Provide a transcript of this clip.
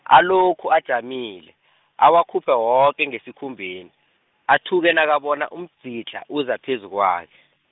alokhu ajamile, awakhuphe woke ngesikhumbeni, athuke nakabona umdzidlha uza phezu kwakhe.